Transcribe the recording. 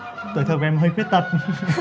tuổi thơ của em hơi khuyết tật